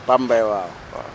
Pape Mbaye waaw waaw